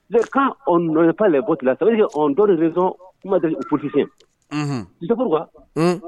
Kan n nɔn' la bontila sabutoson deli psise wa